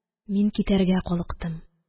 Мин китәргә калыктым